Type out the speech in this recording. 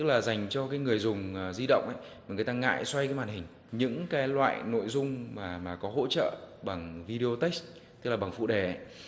là dành cho cái người dùng di động ấy mà người ta ngại xoay cái màn hình những cái loại nội dung mà mà có hỗ trợ bằng vi đi ô tếch tức là bằng phụ đề